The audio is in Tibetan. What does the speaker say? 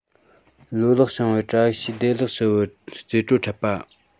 ལོ ལེགས བྱུང བའི བཀྲ ཤིས བདེ ལེགས ཞུ བར རྩེ བྲོ འཁྲབ པ